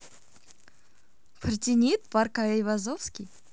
партенит парк айвазовский